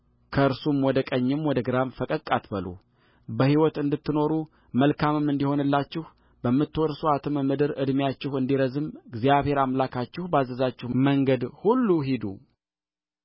ከእርሱም ወደ ቀኝም ወደ ግራም ፈቀቅ አትበሉበሕይወት እንድትኖሩ መልካምም እንዲሆንላችሁ በምትወርሱአትም ምድር ዕድሜአችሁ እንዲረዝም እግዚአብሔር አምላካችሁ ባዘዛችሁ መንገድ ሁሉ ሂዱ